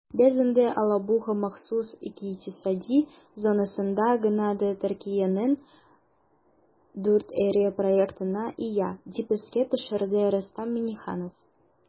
"без инде алабуга махсус икътисади зонасында гына да төркиянең 4 эре проектына ия", - дип искә төшерде рөстәм миңнеханов.